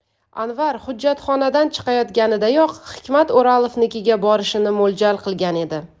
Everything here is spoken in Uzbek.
anvar hujjatxonadan chiqayotganidayoq hikmat o'rolovnikiga borishni mo'ljal qilgan edi